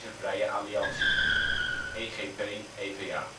Vrije Alliantie (EGP/EVA). De